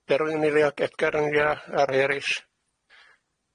Berwyn yn eilio, Edgar yn eilio, a'r rei erill.